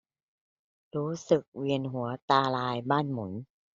รู้สึกเวียนหัวตาลายบ้านหมุน